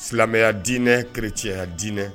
Silamɛya dinɛ chrétien ya dinɛ.